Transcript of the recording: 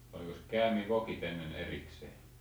olikos käämivokit ennen erikseen